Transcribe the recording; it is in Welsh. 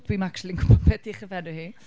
Dwi'm actually 'n gwbod be 'di'i chyfenw hi.